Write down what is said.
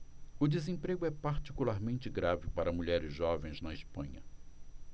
o desemprego é particularmente grave para mulheres jovens na espanha